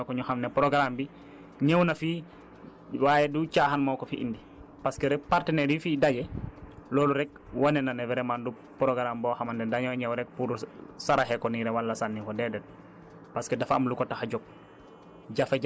ba vraiment ñépp xam ko njariñoo ko ñu xam ne programme bi ñëw na fii waaye du caaxaan moo ko fi indi parce que rekk partenaires yi fi daje loolu rekk wane na ne vraiment du programme boo xamante ne dañoo ñëw rekk pour saraxe ko nii rekk wala sànni ko déedéet